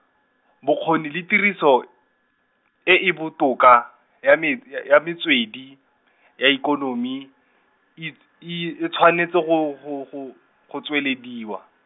bokgoni le tiriso, e e botoka, ya mets- ya metswedi , ya ikonomi, its-, i e tshwanetse go go go, go tswelediwa.